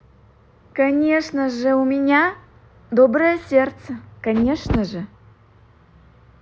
конечно же у меня доброе сердце конечно же